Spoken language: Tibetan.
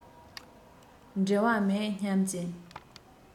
འབྲེལ བ མེད སྙམ གྱིན